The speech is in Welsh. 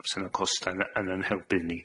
Fysa 'na gosta' yn yn 'yn herbyn ni.